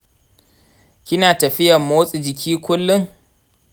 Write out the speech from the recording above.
kina tafiyan mosti jiki kullun?